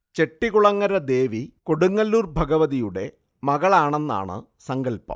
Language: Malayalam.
ചെട്ടികുളങ്ങര ദേവി കൊടുങ്ങല്ലൂർ ഭഗവതിയുടെ മകളാണെന്നാണു സങ്കല്പം